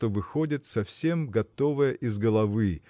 что выходит совсем готовая из головы